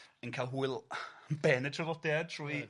yn ca'l hwyl ben y traddodiad trwy